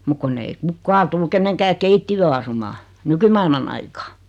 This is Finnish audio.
mutta kun ei kukaan tule kenenkään keittiöön asumaan nykymaailman aikaa